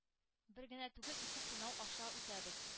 “бер генә түгел, ике сынау аша үтәбез.